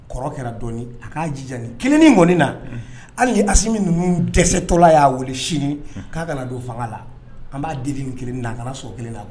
Kɔrɔ kɛra dɔɔni a k'a jija ni kelennin kɔni na unhun hali ni Assimi ninnu dɛsɛtɔla y'a weele sini k'a kana don fanga la an b'a deli nin kelennin na a kana sɔn o kelen na